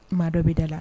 Maa dɔ bɛ da la